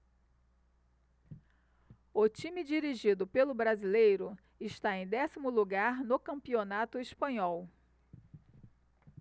o time dirigido pelo brasileiro está em décimo lugar no campeonato espanhol